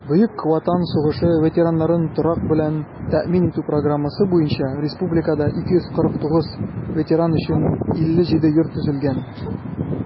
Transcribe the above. Бөек Ватан сугышы ветераннарын торак белән тәэмин итү программасы буенча республикада 249 ветеран өчен 57 йорт төзелгән.